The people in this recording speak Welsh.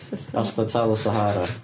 Bastard tal y Sahara.